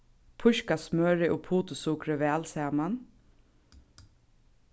píska smørið og putursukrið væl saman